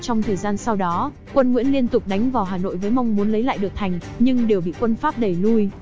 trong thời gian sau đó quân nguyễn liên tục đánh vào hà nội với mong muốn lấy lại được thành nhưng đều bị quân pháp đẩy lui